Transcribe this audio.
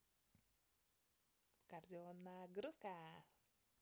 кардионагрузка